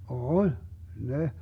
oli ne